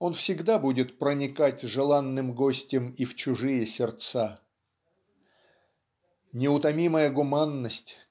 он всегда будет проникать желанным гостем и в чужие сердца. Неутомимая гуманность